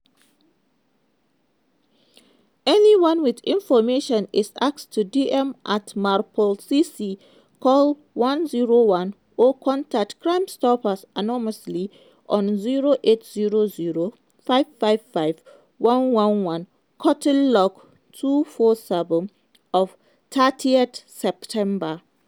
Anyone with information is asked to DM @MerPolCC, call 101 or contact Crimestoppers anonymously on 0800 555 111 quoting log 247 of 30th September.